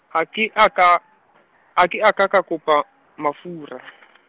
ha ke a ka , ha ke aka ka kopa mafura.